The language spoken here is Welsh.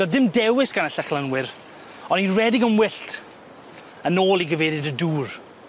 Do'dd dim dewis gan y Llychlynwyr on' i redeg yn wyllt yn ôl i gyfeirid y dŵr.